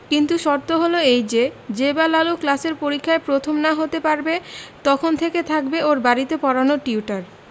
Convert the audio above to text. কিন্তু শর্ত হলো এই যে যে বার লালু ক্লাসের পরীক্ষায় প্রথম না হতে পারবে তখন থেকে থাকবে ওর বাড়িতে পড়ানোর টিউটার